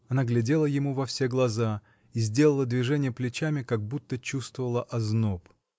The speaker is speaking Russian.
Она глядела ему во все глаза и сделала движение плечами, как будто чувствовала озноб.